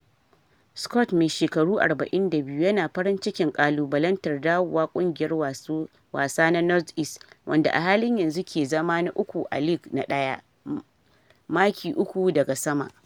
Scot, mai shekaru 42, yana farin cikin kalubalantar dawoda kungiyar wasan na North-East, wanda a halin yanzu ke zama na uku a League na daya, maki uku daga saman.